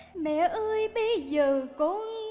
mẹ ơi bây giờ con